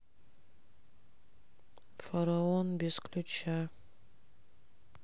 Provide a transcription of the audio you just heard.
фараон без ключа